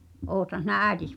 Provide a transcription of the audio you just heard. olethan sinä äitisi